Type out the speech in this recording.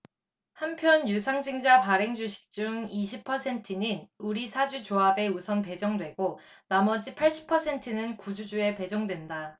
한편 유상증자 발행주식 중 이십 퍼센트는 우리사주조합에 우선 배정되고 나머지 팔십 퍼센트는 구주주에 배정된다